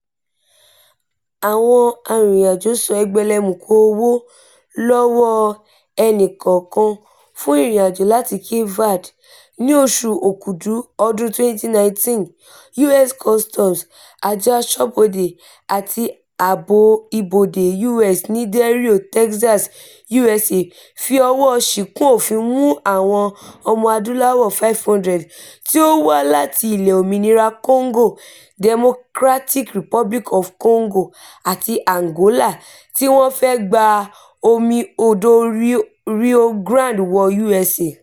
Àwọn arìnrìnàjòó san "ẹgbẹlẹmùkù owó lọ́wọ́ ẹnìkọ̀ọ̀kan" fún ìrìnàjò láti Cape Verde. Ní oṣù Òkúdù ọdún-un 2019, US Customs Àjọ Aṣọ́bodè àti Ààbò Ibodè US ní Del Rio, Texas, USA, fi ọwọ́ọ ṣìkún òfin mú àwọn ọmọ-adúláwọ̀ 500 tí ó wà láti Ilẹ̀-olómìnira Congo, Democratic Republic of Congo, àti Angola, tí wọn ń fẹ́ gba omi Odò Rio Grande wọ USA.